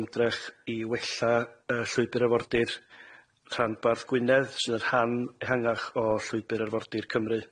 ymdrech i wella yy llwybr afordir rhanbarth Gwynedd sy'n rhan ehangach o Llwybr Arfordir Cymru.